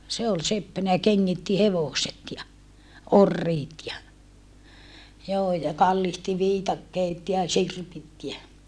se oli seppänä ja kengitti hevoset ja oriit ja joo ja kallitsi viikatteet ja sirpit ja